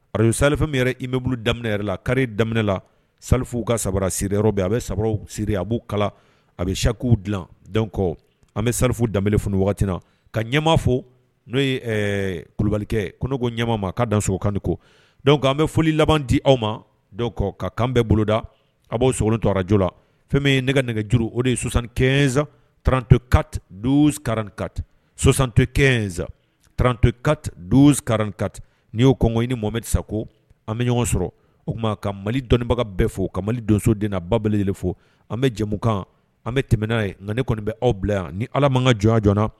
Arabu salifɛnme i bɛ bolo daminɛ la kariri daminɛ la safinw ka samara siriere yɔrɔ bi a bɛ siri a b'u kala a bɛ saku dilan kɔ an bɛ safu da f wagati na ka ɲɛma fo n'o ye kulubalikɛ ko ne ko ɲamama k kaa dan so kan ko an bɛ foli laban di aw ma dɔw kɔ ka kanan bɛɛ boloda a b'o sogolon torarajo la fɛn min ye ne ka nɛgɛjuru o de ye sonsanɛnz trantokaranka sɔsantɔ kɛ trantoka karanka n'i y'o kɔngɔ i ni mɔmeri sa ko an bɛ ɲɔgɔn sɔrɔ o tuma ka mali dɔnniinbaga bɛɛ fo ka mali donso den baba de fo an bɛ jɛmukan an bɛ tɛmɛɛnanaa ye nka ne kɔni bɛ aw bila yan ni ala man ka jɔn joona na